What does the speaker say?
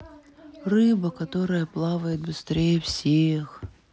рыба которая плавает быстрее всех